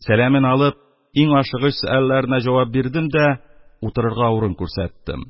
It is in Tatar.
Сәламен алып, иң ашыгыч сөальләренә җавап бирдем дә, утырырга урын күрсәттем.